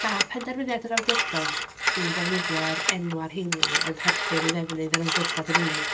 Ma' penderfyniad yr awdurdod i ddefnyddio'r enwau rheini yn perthyn i ddefnydd yr awdurdod yn unig.